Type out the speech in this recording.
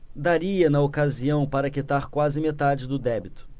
daria na ocasião para quitar quase metade do débito